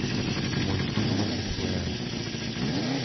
мультфильмы диснея